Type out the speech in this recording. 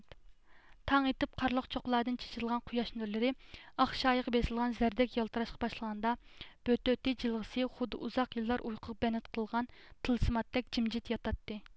تاڭ ئېتىپ قارلىق چوققىلاردىن چېچىلغان قۇياش نۇرلىرى ئاق شايىغا بېسىلغان زەردەك يالتىراشقا باشلىغاندا بۆتۆتى جىلغىسى خۇددى ئۇزاق يىللار ئۇيقۇغا بەند قىلىنغان تىلسىماتتەك جىمجىت ياتاتتى